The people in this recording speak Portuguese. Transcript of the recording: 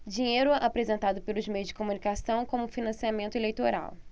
dinheiro apresentado pelos meios de comunicação como financiamento eleitoral